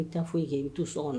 N bɛ taa foyi ii kɛ n to so kɔnɔ